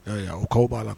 I y'a ye? O cas b'a la.